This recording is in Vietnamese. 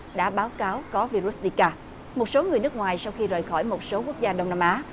đã báo cáo có vi rút di ca một số người nước ngoài sau khi rời khỏi một số quốc gia đông nam á